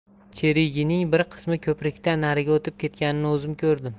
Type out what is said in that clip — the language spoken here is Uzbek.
cherigining bir qismi ko'prikdan nariga o'tib ketganini o'zim ko'rdim